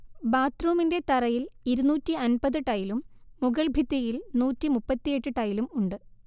ബാത്ത്റൂമിന്റെ തറയിൽ ഇരുന്നൂറ്റി അന്‍പത് ടൈലും മുകൾഭിത്തിയിൽ നൂറ്റി മുപ്പത്തിയെട്ട് ടൈലും ഉണ്ട്